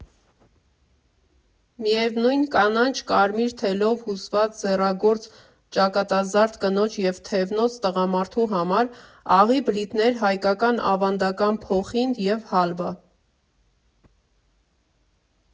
Միևնույն կանաչ֊կարմիր թելով հյուսված ձեռագործ ճակատազարդ՝ կնոջ և թևնոց՝ տղամարդու համար, աղի բլիթներ, հայկական ավանդական փոխինդ և հալվա։